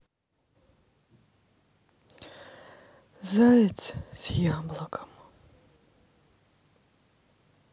заяц с яблоком